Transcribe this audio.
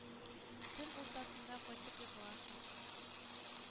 Төн уртасында кайтып егыласың,